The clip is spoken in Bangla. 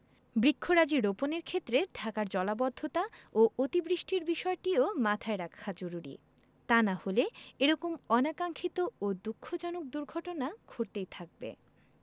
বৃক্ষরাজি রোপণের ক্ষেত্রে ঢাকার জলাবদ্ধতা ও অতি বৃষ্টির বিষয়টিও মাথায় রাখা জরুরী তা না হলে এ রকম অনাকাংক্ষিত ও দুঃখজনক দুর্ঘটনা ঘটতেই থাকবে